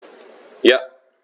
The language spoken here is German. Ja.